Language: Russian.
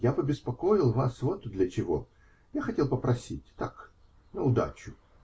Я побеспокоил вас вот для чего: я хотел попросить. так, наудачу.